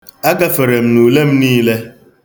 Agafere m n'ule m niile.